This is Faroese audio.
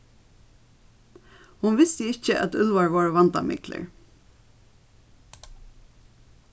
hon visti ikki at úlvar vóru vandamiklir